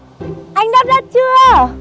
anh đáp đất chưa